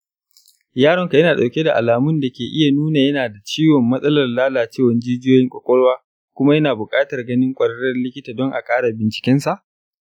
yaronka yana dauke da alamun da ke iya nuna yana da ciwon matsalar lalacewar jijiyoyin kwakwalwa kuma yana bukatar ganin kwararren likita don a kara binciken sa.